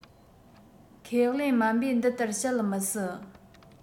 ཁས ལེན སྨན པས འདི ལྟར བཤད མི སྲིད